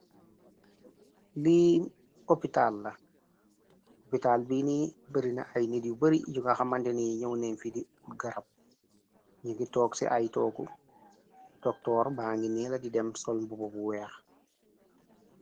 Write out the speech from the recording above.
lii opitaal la opitaal bini barina ay nit yu bari juka xamandena yi ñëw neen fi di uut garab ñingi toog ci ay toogu doktoor ba ngi nii la di dem sol bubo bu weex